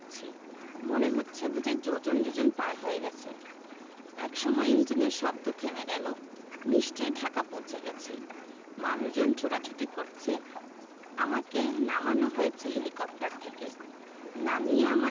যাচ্ছি তো যাচ্ছি মনে হচ্ছে বুঝি যোজন যোজন পার হয়ে গেছে একসময় ইঞ্জিনের শব্দ থেমে গেলো নিশ্চয়ই ঢাকা পৌঁছে গেছি মানুষজন ছোটাছুটি করছে আমাকে নামানো হয়েছে হেলিকপ্টার থেকে